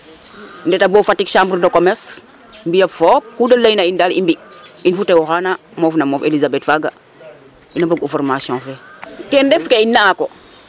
I ndeta bo Fatick Chambre des commerce i mbi'aa fop ku da layna a in daal i mbi' fo tew oxaana mofna mof Elisabeth faaga in mbog'u formation fe ten ref ke i ne'aa ko .